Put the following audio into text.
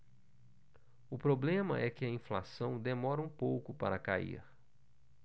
o problema é que a inflação demora um pouco para cair